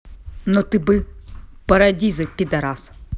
но ты бы paradise пидарас